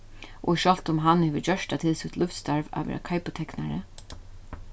og sjálvt um hann hevur gjørt tað til sítt lívsstarv at vera keiputeknari